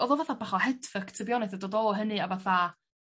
Oodd o fatha bach o head fuck to be honestyn dod o hynny a fatha